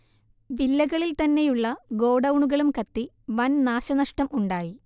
വില്ലകളിൽ തന്നെയുള്ള ഗോഡൗണുകളും കത്തി വൻ നാശന്ഷടം ഉണ്ടായി